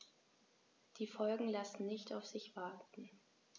Die Folgen lassen nicht auf sich warten.